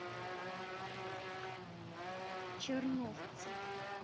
черновцы